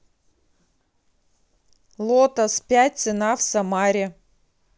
лотос пять цена в самаре